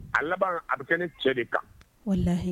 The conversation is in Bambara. A laban a bɛ kɛ ne cɛ de kan